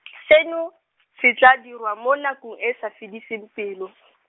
Seno, se tla dirwa mo nakong e sa fediseng pelo.